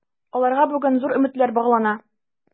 Аларга бүген зур өметләр баглана.